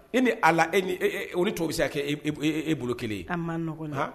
E ni ala e ni o tɔgɔ bɛ se ka kɛ e bolo kelen ye an ma nɔgɔ na